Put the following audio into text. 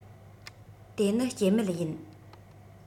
དེ ནི སྐྱེད མེད ཡིན